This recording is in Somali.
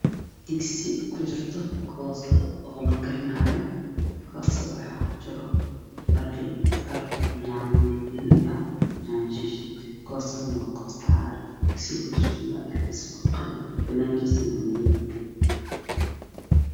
Waa digsi kujirto koosto oo lakarinaayo. Koostada waxaa kujiro baradho iyo bocor, yaanyo mirooley iyo yaanyo shiishiid, koostada waa cagaar digsigey kujirto dhexdiisa waa qalin banaan kiisa waa madow.